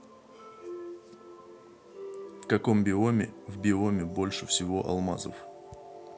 в каком биоме в биоме больше всего алмазов